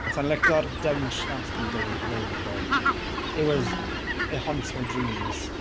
Sa i'n lico'r dawns nath hi feu- wneud 'fyd. It was... Na... It haunts my dreams.